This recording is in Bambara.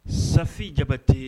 Safin jabate